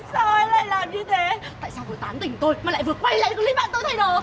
sao anh lại làm như thế tại sao vừa tán tỉnh tôi mà lại vừa quay lại cờ líp bạn tôi thay đồ